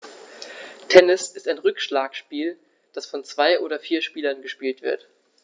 Tennis ist ein Rückschlagspiel, das von zwei oder vier Spielern gespielt wird.